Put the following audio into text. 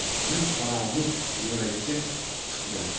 nim qorong'i yo'lakka chiqdi